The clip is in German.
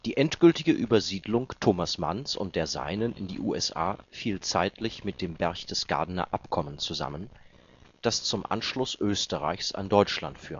endgültige Übersiedlung Thomas Manns und der Seinen in die USA fiel zeitlich mit dem Berchtesgadener Abkommen zusammen, das zum Anschluss Österreichs an Deutschland